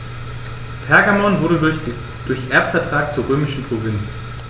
Pergamon wurde durch Erbvertrag zur römischen Provinz.